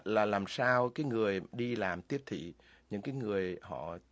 là làm sao cái người đi làm tiếp thị những cái người họ